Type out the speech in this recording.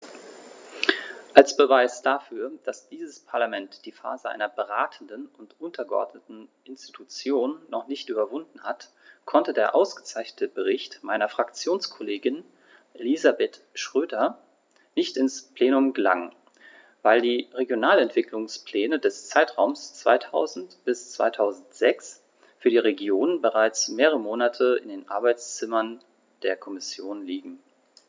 Als Beweis dafür, dass dieses Parlament die Phase einer beratenden und untergeordneten Institution noch nicht überwunden hat, konnte der ausgezeichnete Bericht meiner Fraktionskollegin Elisabeth Schroedter nicht ins Plenum gelangen, weil die Regionalentwicklungspläne des Zeitraums 2000-2006 für die Regionen bereits mehrere Monate in den Arbeitszimmern der Kommission liegen.